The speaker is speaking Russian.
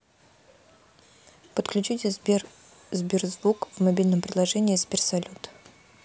подключите сбер сберзвук в мобильном приложении сберсалют